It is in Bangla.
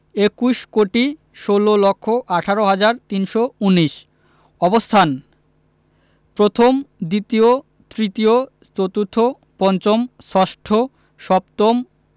একুশ কোটি ষোল লক্ষ আঠারো হাজার তিনশো উনিশ অবস্থানঃ প্রথম দ্বিতীয় তৃতীয় চতুর্থ পঞ্চম ষষ্ঠ সপ্তম